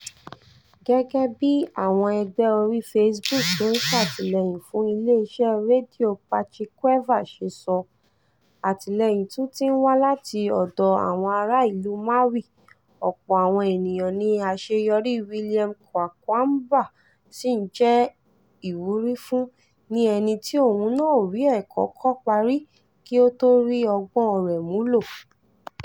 Gẹ́gẹ́ bí àwọn ẹgbẹ́ orí Facebook tó ń "sátìlẹyìn fún Ileeṣẹ́ Rédíò Pachikweza" ṣe sọ, àtìlẹyìn tún ti ń wá láti ọ̀dọ̀ àwọn ará ìlú Maawi, ọ̀pọ̀ àwọn èèyàn ni àṣeyọrí William Kwakwamba sì ń jẹ́ ìwúrí fún ní ẹni tí òun náà ò rí ẹ̀kọ́ kọ́ parí kí ò tó rí ọgbọ́n rẹ̀ mú lò.